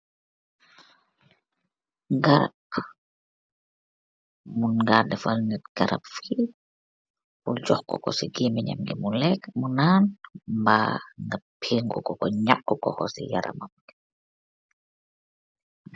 Garaap bi penggu bunj deff ce birr mbussu.